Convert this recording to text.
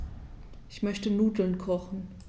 Ich möchte Nudeln kochen.